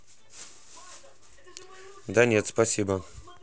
да нет спасибо